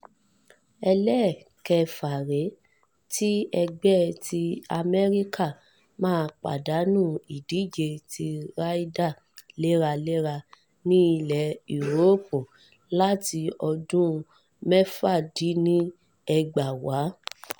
Ẹlẹ́kẹ̀ẹfà rèé tí ẹgbẹ́ ti Amẹ́ríkà máa pàdánù ìdíje ti Ryder léraléra ní ilẹ̀ Úróópù láti ọdún 1994